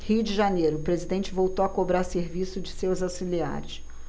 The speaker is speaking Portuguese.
rio de janeiro o presidente voltou a cobrar serviço de seus auxiliares